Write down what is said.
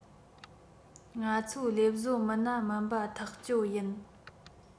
ང ཚོའི ལས བཟོ མི སྣ མིན པ ཐག བཅོད ཡིན